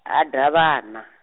Ha Davhana.